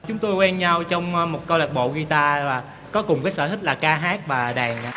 chúng tôi quen nhau trong a một câu lạc bộ ghi ta và có cùng cái sở thích là ca hát và đàn ạ